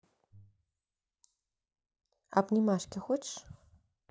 обнимашки хочешь